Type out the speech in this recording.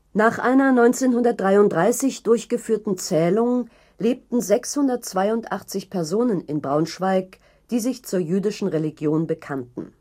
Nach einer 1933 durchgeführten Zählung lebten 682 Personen in Braunschweig, die sich zur jüdischen Religion bekannten